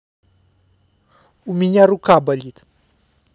у меня рука болит